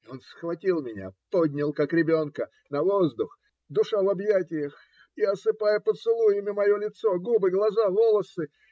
И он схватил меня, поднял, как ребенка, на воздух, душа в объятиях и осыпая поцелуями мое лицо, губы, глаза, волосы.